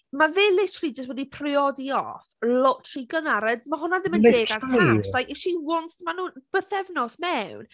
Mae fe literally jyst wedi priodi off lot rhy gynnar, a ma' hwnna ddim yn deg ar Tash... Literally ...Like if she wants... Maen nhw pythefnos mewn!